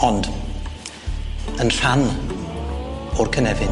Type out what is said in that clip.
ond yn rhan o'r cynefin.